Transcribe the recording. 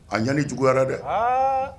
A ɲani juguyara dɛ